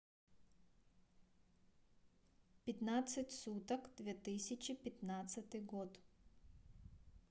пятнадцать суток две тысячи пятнадцатый год